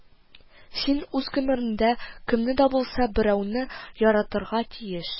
Син үз гомереңдә кемне дә булса берәүне яратырга тиеш